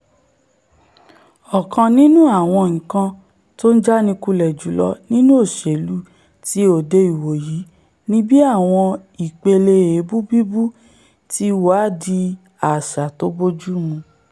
Ọ̀kan nínú àwọn nǹkan tó ń jánikulẹ̀ jùlọ nínú òṣèlú ti òde-ìwòyí ni bí àwọn ipele èèbù bíbú ti wá di àṣà tó bójúmu.